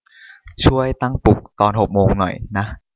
ช่วยตั้งปลุกตอนหกโมงหน่อยนะ